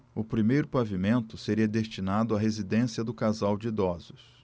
o primeiro pavimento seria destinado à residência do casal de idosos